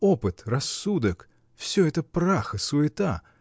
-- Опыт, рассудок -- все это прах и суета!